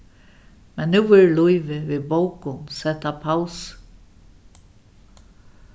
men nú verður lívið við bókum sett á pausu